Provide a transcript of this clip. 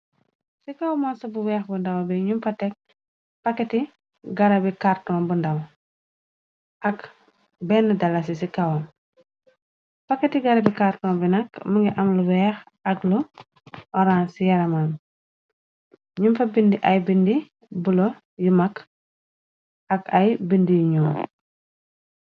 ci kawmon sa bu weex bu ndaw bi ñum fa tek pakketi garabi carton bu ndaw ak benn dala ci ci kawam paketi garabi carton bi nakk më ngi am lu weex ak lu orane ci yaraman ñum fa bindi ay bindi bulo yu mag ak ay bind yuñuo